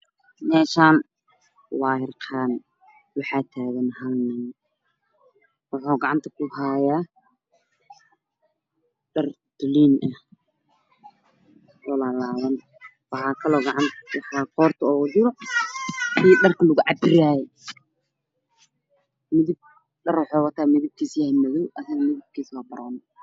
Meeshan waa waxa taagan Hal nin wuxu gacanta ku hayaa Dhar laalaaban waxa kale oogacanta ugu jiro koodh